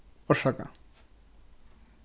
orsaka